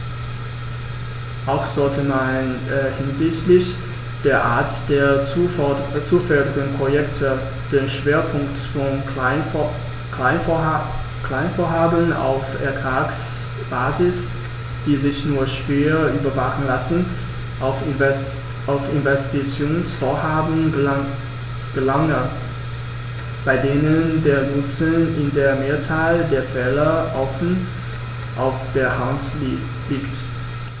Auch sollte man hinsichtlich der Art der zu fördernden Projekte den Schwerpunkt von Kleinvorhaben auf Ertragsbasis, die sich nur schwer überwachen lassen, auf Investitionsvorhaben verlagern, bei denen der Nutzen in der Mehrzahl der Fälle offen auf der Hand liegt.